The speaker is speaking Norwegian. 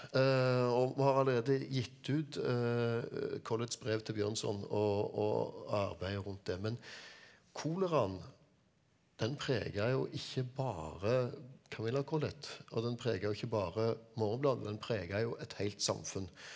og vi har allerede gitt ut Colletts brev til Bjørnson og og arbeidet rundt det, men koleraen den prega jo ikke bare Camilla Collett og den prega jo ikke bare Morgenbladet, den prega jo et helt samfunn.